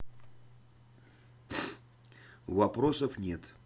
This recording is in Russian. вопросов нет